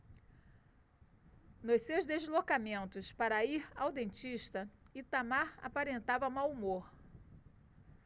nos seus deslocamentos para ir ao dentista itamar aparentava mau humor